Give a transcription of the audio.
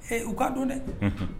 Ee u ka don dɛ